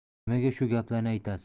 nimaga shu gaplarni aytasiz